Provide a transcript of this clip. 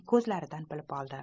ko'zlaridan bilib oldi